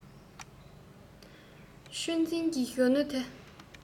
ཆུ འཛིན གྱི གཞོན ནུ དེ